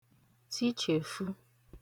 tichèfu